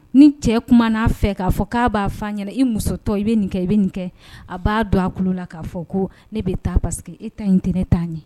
Ni cɛ kumana a fɛ k'a fɔ k'a b'a f'a ɲɛna i musotɔ i bɛ nin kɛ i bɛ nin kɛ a b'a don a kulo la k'a fɔ koo ne bɛ taa parce que e ta in tɛ ne ta ɲɛ